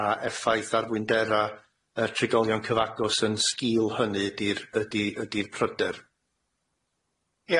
a effaith arwindera yy trigolion cyfagos yn sgîl hynny ydi'r ydi ydi'r pryder. Ia.